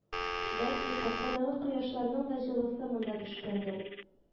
Бәлки, капкадагы кояшларның да җылысы монда төшкәндер